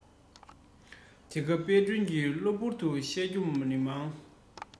དེ སྐབས དཔལ སྒྲོན གྱི གློ བུར དུ བཤད རྒྱུ ནི མང